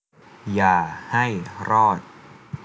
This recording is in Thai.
อย่าให้รอด